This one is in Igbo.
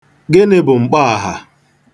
Gịnị bụ mkpọaha?